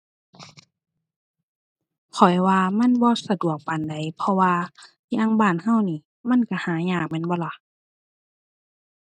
ข้อยว่ามันบ่สะดวกปานใด เพราะว่าอย่างบ้านเรานี่มันเราหายาก แม่นบ่ล่ะ